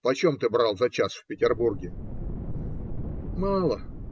Почем ты брал за час в Петербурге? - Мало.